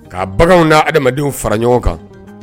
Ka baganda adamadamadenw fara ɲɔgɔn kan